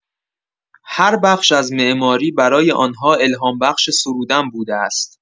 هر بخش از معماری برای آن‌ها الهام‌بخش سرودن بوده است.